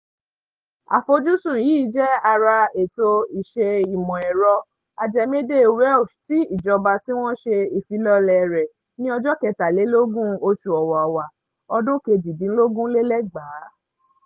Àfojúsùn yìí jẹ́ ara Ètò Ìṣe Ìmọ̀-ẹ̀rọ Ajẹmédè Welsh ti ìjọba, tí wọ́n ṣe ìfilọ́lẹ̀ rẹ̀ ní ọjọ́ 23 oṣù Ọ̀wàwà, ọdún 2018.